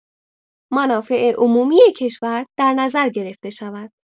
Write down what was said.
منافع عمومی کشور در نظر گرفته شود.